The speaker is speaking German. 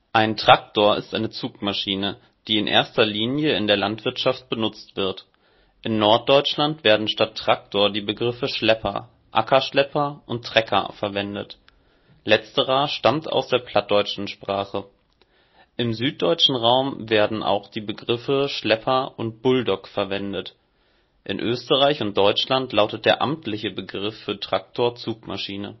Ein Traktor (Mehrzahl Traktoren, von lateinisch trahere, „ ziehen “) ist eine Zugmaschine, die in erster Linie in der Landwirtschaft benutzt wird. In Norddeutschland werden statt Traktor die Begriffe Schlepper, Ackerschlepper und Trecker verwendet. Letzterer stammt aus der plattdeutschen Sprache und ist von trecken („ ziehen “) abgeleitet. Im süddeutschen Raum werden auch die Begriffe Schlepper und Bulldog verwendet. In Österreich und Deutschland lautet der amtliche Begriff für Traktor Zugmaschine